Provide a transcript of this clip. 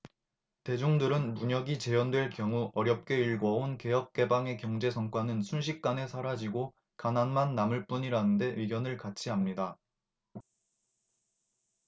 대중들은 문혁이 재연될 경우 어렵게 일궈 온 개혁개방의 경제 성과는 순식간에 사라지고 가난만 남을 뿐이라는데 의견을 같이 합니다